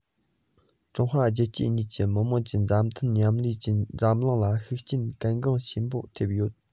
ཀྲུང ཨ རྒྱལ ཁབ གཉིས ཀྱི མི དམངས ཀྱི མཛའ མཐུན མཉམ ལས ཀྱིས འཛམ གླིང ལ ཤུགས རྐྱེན གལ འགངས ཆེན པོ ཐེབས ཡོད